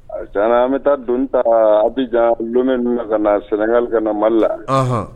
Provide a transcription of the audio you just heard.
Aa! tiɲena, an bɛ taa dɔnni ta Abidjan, Lomé ninnu na ka na Sénégal, ka na Mali la.